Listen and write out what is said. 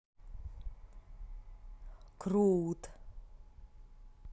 крут